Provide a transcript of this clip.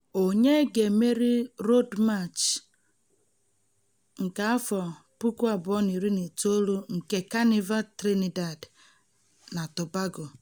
Onye ga-emeri Road March 2019 nke Kanịva Trinidad & Tobago?